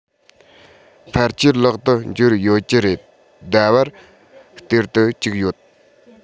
ཕལ ཆེར ལག ཏུ འབྱོར ཡོད ཀྱི རེད ཟླ བར སྟེར དུ བཅུག ཡོད